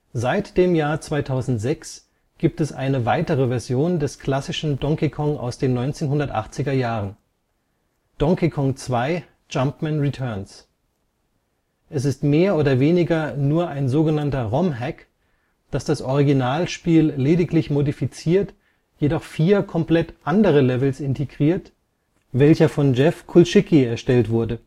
Seit dem Jahr 2006 gibt es eine weitere Version des klassischen Donkey Kong aus den 1980er Jahren: Donkey Kong 2: Jumpman Returns. Es ist mehr oder weniger nur ein sogenannter Rom-Hack, das das Originalspiel lediglich modifiziert, jedoch 4 komplett andere Levels integriert, welcher von Jeff Kulczycki erstellt wurde